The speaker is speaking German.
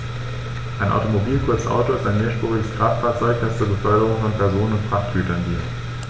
Ein Automobil, kurz Auto, ist ein mehrspuriges Kraftfahrzeug, das zur Beförderung von Personen und Frachtgütern dient.